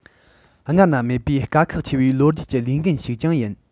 སྔར ན མེད པའི དཀའ ཁག ཆེ བའི ལོ རྒྱུས ཀྱི ལས འགན ཞིག ཀྱང ཡིན